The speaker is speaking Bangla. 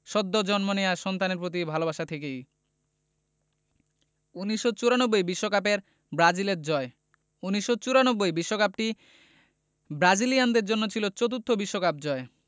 সদ্য জন্ম নেওয়া সন্তানের প্রতি ভালোবাসা থেকেই ১৯৯৪ বিশ্বকাপের ব্রাজিলের জয় ১৯৯৪ বিশ্বকাপটি ব্রাজিলিয়ানদের জন্য ছিল চতুর্থ বিশ্বকাপ জয়